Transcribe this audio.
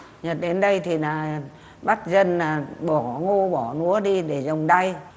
đến đây thì là bắt dân là bỏ ngô bỏ lúa đi để giồng đay